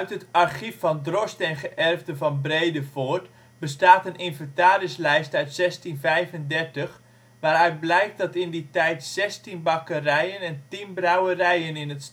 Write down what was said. het archief van Drost en Geërfden van Bredevoort bestaat een inventarislijst uit 1635, waaruit blijkt dat in die tijd zestien bakkerijen en tien brouwerijen in het